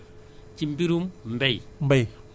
nga verser foofu directement ñu assurer la